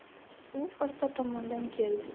u orqa tomondan keldi